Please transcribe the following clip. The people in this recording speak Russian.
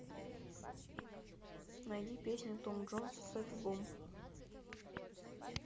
найди песню том джонс секс бомб